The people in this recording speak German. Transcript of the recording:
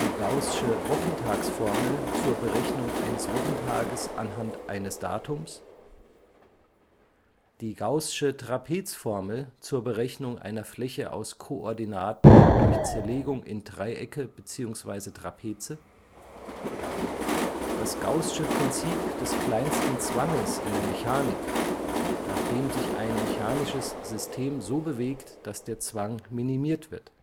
gaußsche Wochentagsformel zur Berechnung eines Wochentages anhand eines Datums die gaußsche Trapezformel zur Berechnung einer Fläche aus Koordinaten durch Zerlegung in Dreiecke bzw. Trapeze das gaußsche Prinzip des kleinsten Zwanges in der Mechanik, nach dem sich ein mechanisches System so bewegt, dass der Zwang minimiert wird